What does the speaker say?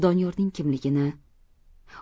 doniyorning kimligini